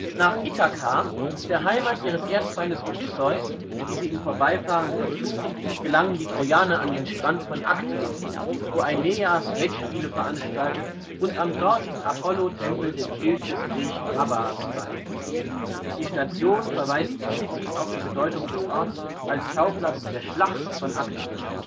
Nach Ithaka, der Heimat ihres Erzfeindes Odysseus, die sie im Vorbeifahren verfluchen, gelangen die Trojaner an den Strand von Actium, wo Aeneas Wettspiele veranstaltet und am dortigen Apollotempel den Schild des Griechen Abas weiht. (Die Station verweist implizit auf die Bedeutung des Orts als Schauplatz der Schlacht von Actium